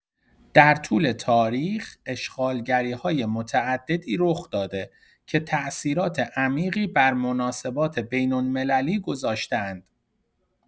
در طول تاریخ، اشغالگری‌های متعددی رخ‌داده که تأثیرات عمیقی بر مناسبات بین‌المللی گذاشته‌اند.